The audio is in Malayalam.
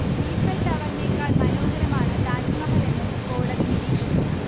ഈഫൽ ടവറിനെക്കാൾ മനോഹരമാണ് താജ്മഹൽ എന്നും കോടതി നിരീക്ഷിച്ചു